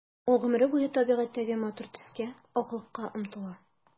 Ул гомере буе табигатьтәге матур төскә— аклыкка омтыла.